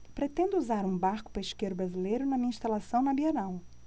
pretendo usar um barco pesqueiro brasileiro na minha instalação na bienal